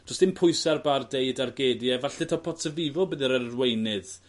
do's dim pwyse ar Bardet i dargedu e falle taw Pozzovivo bydd yr arweinydd